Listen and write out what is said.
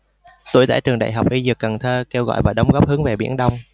tuổi trẻ trường đại học y dược cần thơ kêu gọi và đóng góp hướng về biển đông